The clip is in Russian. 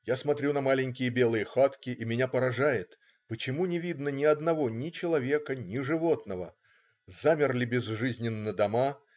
Я смотрю на маленькие белые хатки, и меня поражает: почему не видно ни одного ни человека, ни животного? Замерли безжизненно дома.